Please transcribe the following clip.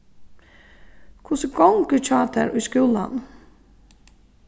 hvussu gongur hjá tær í skúlanum